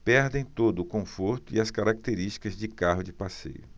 perdem todo o conforto e as características de carro de passeio